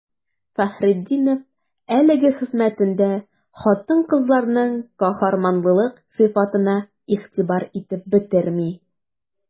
Фәхретдинов әлеге хезмәтендә хатын-кызларның каһарманлылык сыйфатына игътибар итеп бетерми.